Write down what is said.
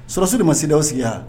Sɔraso de ma sida sigi